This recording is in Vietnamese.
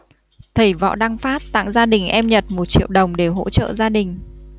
thầy võ đăng phát tặng gia đình em nhật một triệu đồng để hỗ trợ gia đình